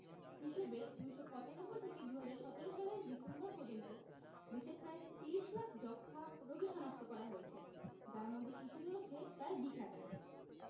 হিসেবে ১৯৯৫ থেকে ২০১৭ সালের ডিসেম্বর পর্যন্ত দেশে প্রায় ৩০ লাখ যক্ষ্মা রোগী শনাক্ত করা হয়েছে যার মধ্যে শিশু রয়েছে প্রায় ২০ হাজার